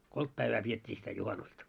kolme päivää pidettiin sitä juhannusta